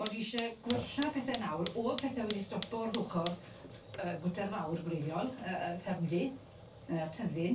Bod isie gwella pethe nawr o'dd pethe wedi stopo wrth ochor yy gwter fawr gwreiddiol yy yr ffermdy ne' yr tyddyn.